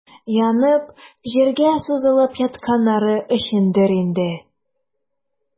Янып, җиргә сузылып ятканнары өчендер инде.